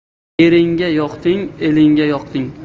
eringga yoqding elingga yoqding